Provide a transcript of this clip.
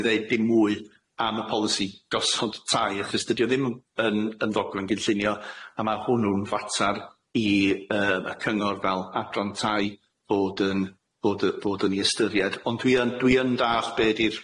i ddeud dim mwy am y polisi gosod tai achos dydi o ddim yn yn ddogfen gynllunio a ma' hwnnw'n fater i yy y cyngor fel adran tai fod yn bod yy bod yn i ystyried ond dwi yn dwi yn dall be' di'r